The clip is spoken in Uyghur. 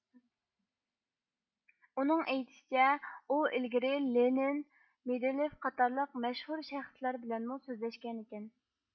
ئۇنىڭ ئېيتىشىچە ئۇئىلگىرى لېنىن مىندىلېف قاتارلىق مەشھۇر شەخسلەر بىلەنمۇ سۆزلەشكەنىكەن